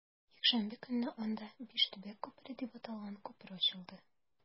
Якшәмбе көнне анда “Биш төбәк күпере” дип аталган күпер ачылды.